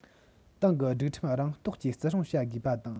ཏང གི སྒྲིག ཁྲིམས རང རྟོགས ཀྱིས བརྩི སྲུང བྱ དགོས པ དང